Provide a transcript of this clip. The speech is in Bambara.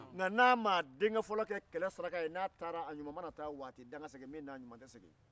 n'a m'a denkɛ fɔlɔ kɛ saraka ye a ɲuman bɛ taa nka a ɲuman tɛ segin